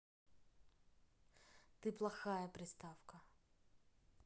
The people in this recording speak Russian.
ты плохая приставка